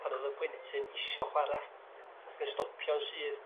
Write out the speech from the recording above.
pan o'dd y plentyn isio chwara', ac yn stopio'n syth